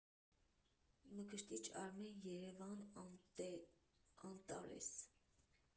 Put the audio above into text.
ՄԿՐՏԻՉ ԱՐՄԵՆ «ԵՐԵՎԱՆ», ԱՆՏԱՐԵՍ։